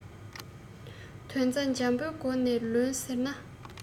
དོན རྩ འཇམ པོའི སྒོ ནས ལོན ཟེར ན